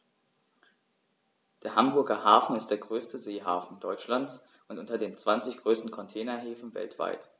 Der Hamburger Hafen ist der größte Seehafen Deutschlands und unter den zwanzig größten Containerhäfen weltweit.